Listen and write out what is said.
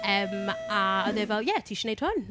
Yym, a oedd e fel, ie, ti isie wneud hwn?